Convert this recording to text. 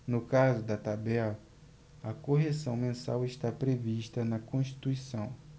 no caso da tabela a correção mensal está prevista na constituição